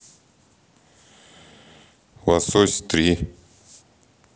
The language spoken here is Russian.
лосось три